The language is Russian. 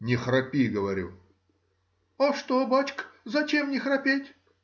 — Не храпи,— говорю. — А что, бачка? зачем не храпеть?